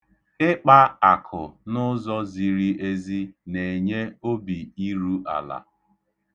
Ịkpa akụ n'ụzọ ziri ezi na-enye obi iru ala.